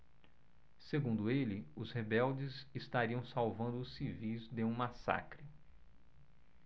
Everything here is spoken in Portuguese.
segundo ele os rebeldes estariam salvando os civis de um massacre